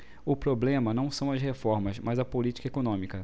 o problema não são as reformas mas a política econômica